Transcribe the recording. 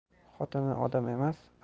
xotini odam emas